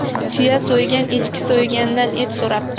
tuya so'ygan echki so'ygandan et so'rabdi